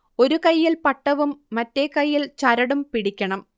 ഒരു കൈയ്യിൽ പട്ടവും മറ്റേ കൈയിൽ ചരടും പിടിക്കണം